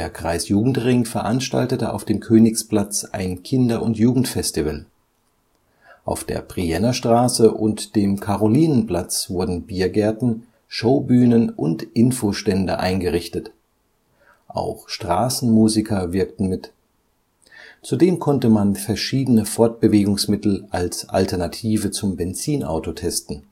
Kreisjugendring veranstaltete auf dem Königsplatz ein Kinder - und Jugendfestival. Auf der Brienner Straße und dem Karolinenplatz wurden Biergärten, Showbühnen und Infostände eingerichtet. Auch Straßenmusiker wirkten mit. Zudem konnte man verschiedene Fortbewegungsmittel als Alternative zum Benzinauto testen